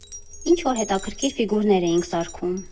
Ինչ֊որ հետաքրքիր ֆիգուրներ էինք սարքում։